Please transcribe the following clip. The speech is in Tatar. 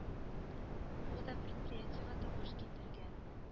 Ул да предприятиегә табыш китергән